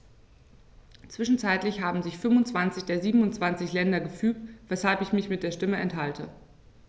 Zwischenzeitlich haben sich 25 der 27 Länder gefügt, weshalb ich mich der Stimme enthalte.